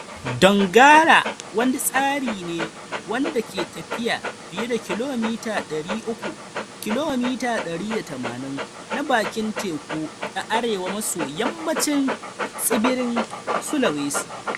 Donggala wani tsari ne wanda ke tafiya fiye da kilomita 300 (kilomita 180) na bakin teku a arewa maso yammacin tsibirin Sulawesi.